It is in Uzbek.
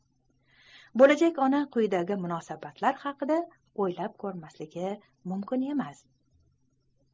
bo'lajak ona quyidagi musibatlar haqida o'ylamasligi mumkin emas